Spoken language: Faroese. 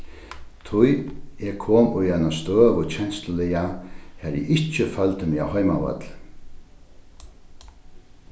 tí eg kom í eina støðu kensluliga har eg ikki føldi meg á heimavølli